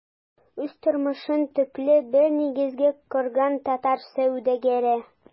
Үз тормышын төпле бер нигезгә корган татар сәүдәгәре.